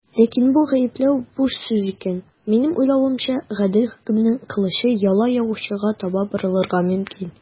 Ләкин бу гаепләү буш сүз икән, минем уйлавымча, гадел хөкемнең кылычы яла ягучыга таба борылырга мөмкин.